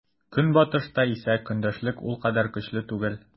Көнбатышта исә көндәшлек ул кадәр көчле түгел.